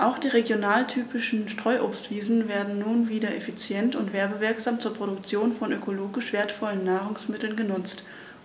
Auch die regionaltypischen Streuobstwiesen werden nun wieder effizient und werbewirksam zur Produktion von ökologisch wertvollen Nahrungsmitteln genutzt,